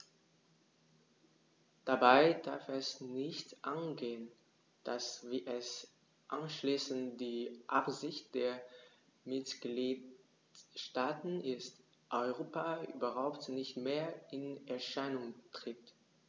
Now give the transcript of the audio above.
Dabei darf es nicht angehen, dass - wie es anscheinend die Absicht der Mitgliedsstaaten ist - Europa überhaupt nicht mehr in Erscheinung tritt.